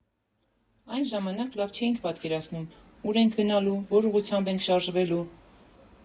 Այն ժամանակ լավ չէինք պատկերացնում՝ ուր ենք գնալու, որ ուղղությամբ ենք շարժվելու։